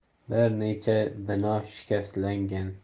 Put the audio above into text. bir necha bino shikastlangan